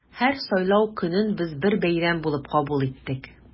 Һәр сайлау көнен без бер бәйрәм булып кабул иттек.